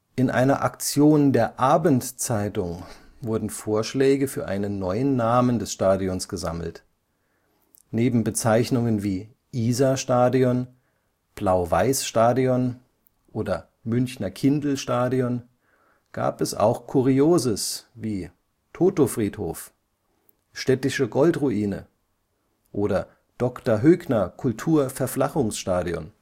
In einer Aktion der Abendzeitung wurden Vorschläge für einen neuen Namen des Stadions gesammelt. Neben Bezeichnungen wie „ Isar-Stadion “,„ Weiß-Blau-Stadion “oder „ Münchner-Kindl-Stadion “gab es auch Kurioses wie „ Toto-Friedhof “,„ Städtische Goldruine “oder „ Dr.-Högner-Kultur-Verflachungs-Stadion